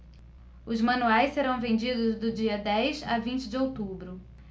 os manuais serão vendidos do dia dez a vinte de outubro